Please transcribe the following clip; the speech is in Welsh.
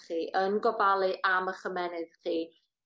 chi yn gofalu am 'ych ymennydd chi